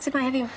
Sut mae heddiw?